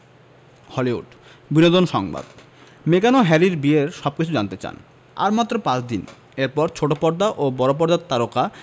Hollywood বিনোদন সংবাদ মেগান ও হ্যারির বিয়ের সবকিছু জানতে চান আর মাত্র পাঁচ দিন এরপর ছোট পর্দা ও বড় পর্দার তারকা